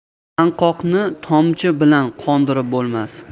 chanqoqni tomchi bilan qondirib bo'lmas